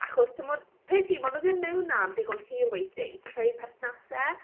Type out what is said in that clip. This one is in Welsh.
Achos timod peth yw mae nhw ddim mewn am ddigon hir weithiau i creu perthnasau.